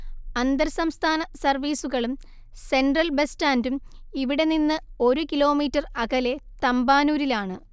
അന്തർസംസ്ഥാന സർവീസുകളും central bus സ്റ്റാൻഡും ഇവിടെനിന്ന് ഒരു കിലോമീറ്റർ അകലെ തമ്പാനൂരിലാണ്‌